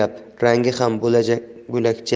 alanglab rangi ham bo'lakcha